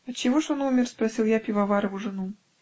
"Отчего ж он умер?" -- спросил я пивоварову жену.